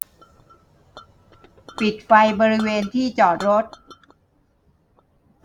ปิดไฟบริเวณที่จอดรถ